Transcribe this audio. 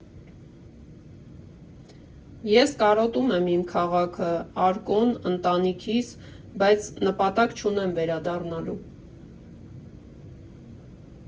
Ես կարոտում եմ իմ քաղաքը՝ Արկոն, ընտանիքիս, բայց նպատակ չունեմ վերադառնալու։